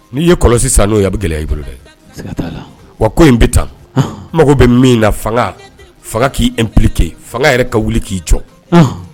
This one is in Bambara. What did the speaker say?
N'i ye kɔlɔsi n'o bɛ gɛlɛya i bolo dɛ wa ko in bɛ taa mago bɛ min na fanga fanga k'ipke fanga yɛrɛ ka wuli k'i c